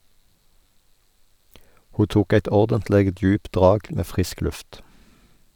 Ho tok eit ordentleg djupt drag med frisk luft.